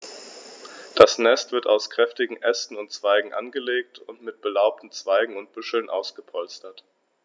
Das Nest wird aus kräftigen Ästen und Zweigen angelegt und mit belaubten Zweigen und Büscheln ausgepolstert.